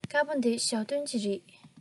དཀར པོ འདི ཞའོ ཏོན གྱི རེད